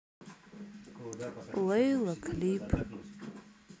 лейла клип